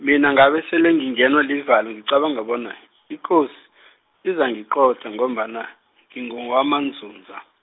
mina ngabesele ngingenwa livalo ngicabanga bona, ikosi , izangiqotha ngombana, ngingowamaNdzundza.